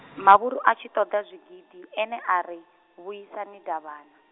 mavhuru a tshi ṱoḓa zwigidi ene a ri, vhuisani Davhana.